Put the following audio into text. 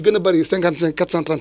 li des ci mois bi